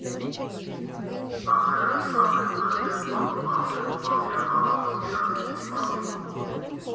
Արձակագիր Արմեն Մուրադյանի պատմվածքը «Մաֆիա» խաղացող երևանցիների մասին։